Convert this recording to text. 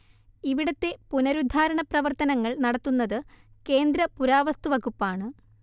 ഇവിടത്തെ പുനരുദ്ധാരണ പ്രവർത്തനങ്ങൾ നടത്തുന്നത് കേന്ദ്ര പുരാവസ്തുവകുപ്പാണ്